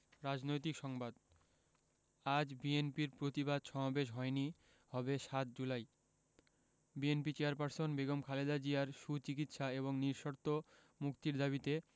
রাজনৈতিক সংবাদ আজ বিএনপির প্রতিবাদ সমাবেশ হয়নি হবে ৭ July BNP chairperson Begum Khaleda জিয়ার সুচিকিৎসা এবং নিঃশর্ত মুক্তির দাবিতে